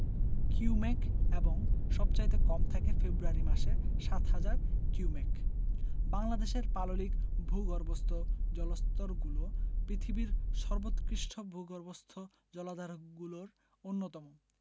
cumec এবং সবচাইতে কম থাকে ফেব্রুয়ারি মাসে ৭হাজার কিউমেক বাংলাদেশের পাললিক ভূগর্ভস্থ জলস্তরগুলো পৃথিবীর সর্বোৎকৃষ্টভূগর্ভস্থ জলাধারগুলোর অন্যতম